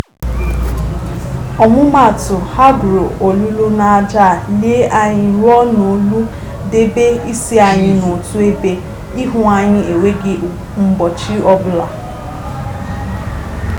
Ọmụmaatụ, ha gwuru olulu n'aja, lie anyị ruo n'ólú, debe isi anyị n'otu ebe, ihu anyị enweghị mgbochi ọbụla.